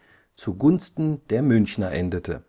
zugunsten der Münchner endete